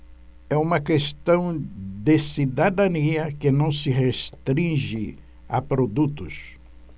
é uma questão de cidadania que não se restringe a produtos